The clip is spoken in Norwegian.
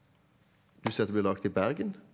du sier at det blir laget i Bergen.